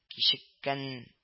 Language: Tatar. Кичеккән